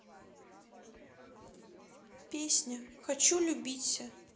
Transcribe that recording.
песня хочу любится